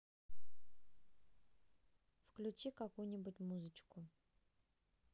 включи какую нибудь музычку